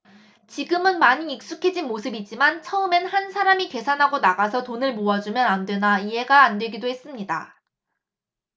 지금은 많이 익숙해진 모습이지만 처음엔 한 사람이 계산하고 나가서 돈을 모아주면 안되나 이해가 안되기도 했습니다